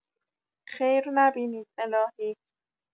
خیر نبینید الهی